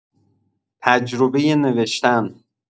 تجربه نوشتن